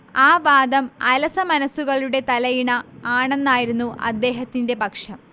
ആ വാദം അലസമനസ്സുകളുടെ തലയിണ ആണെന്നായിരുന്നു അദ്ദേഹത്തിന്റെ പക്ഷം